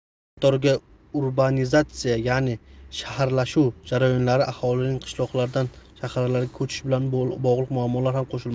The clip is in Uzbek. bularning qatoriga urbanizatsiya ya'ni shaharlashuv jarayonlari aholining qishloqlardan shaharlarga ko'chishi bilan bog'liq muammolar ham qo'shilmoqda